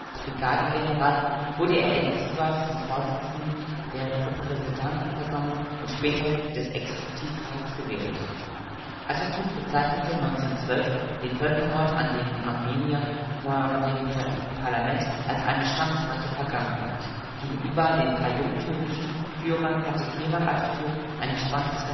Brigadegeneral) wurde er in Sivas zum Vorsitzenden der Repräsentantenversammlung und später des Exekutivrats gewählt. Atatürk bezeichnete 1920 den Völkermord an den Armeniern vor dem Parlament als „ eine Schandtat der Vergangenheit “. Gegenüber den drei jungtürkischen Führern hatte Kemal Atatürk ein gespanntes